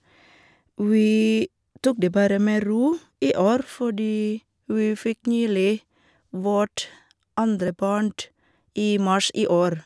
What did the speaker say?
Vi tok det bare med ro i år, fordi vi fikk nylig vårt andre barn i mars i år.